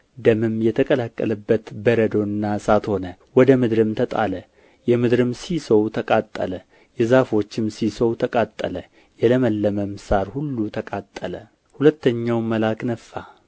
ደምም የተቀላቀለበት በረዶና እሳት ሆነ ወደ ምድርም ተጣለ የምድርም ሲሶው ተቃጠለ የዛፎችም ሲሶው ተቃጠለ የለመለመም ሣር ሁሉ ተቃጠለ ሁለተኛውም መልአክ ነፋ